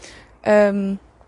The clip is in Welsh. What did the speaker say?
Yym.